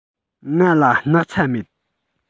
ང ལ སྣག ཚ མེད